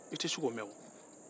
i tɛ se k'o mɛn o